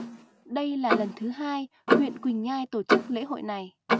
đây là lần thứ hai huyện quỳnh nhai tổ chức lễ hội này